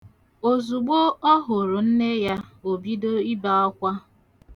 Ozugbu ọ hụrụ nne ya, o bido ibe akwa